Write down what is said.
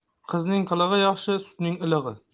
qizning qilig'i yaxshi sutning ilig'i